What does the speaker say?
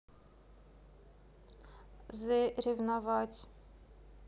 the ревновать